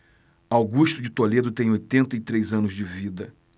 augusto de toledo tem oitenta e três anos de vida